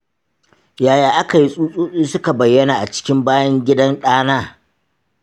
yaya aka yi tsutsotsi suka bayyana a cikin bayan-gidan ɗana?